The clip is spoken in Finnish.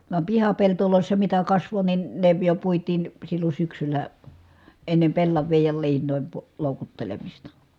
vaan pihapelloissa mitä kasvoi niin ne jo puitiin silloin syksyllä ennen pellavia ja liinojen - loukuttelemista